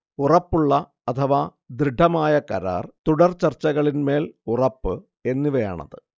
ഉറപ്പുള്ള അഥവാ ദൃഢമായ കരാർ, തുടർചർച്ചകളിന്മേൽ ഉറപ്പ് എന്നിവയാണത്